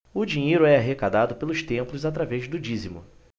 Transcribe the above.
o dinheiro é arrecadado pelos templos através do dízimo